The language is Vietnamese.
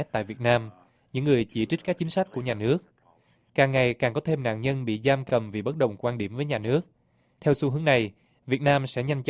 tại việt nam những người chỉ trích các chính sách của nhà nước càng ngày càng có thêm nạn nhân bị giam cầm vì bất đồng quan điểm với nhà nước theo xu hướng này việt nam sẽ nhanh